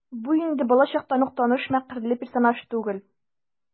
Бу инде балачактан ук таныш мәкерле персонаж түгел.